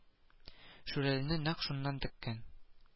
Шүрәлене нәкъ шуннан теккән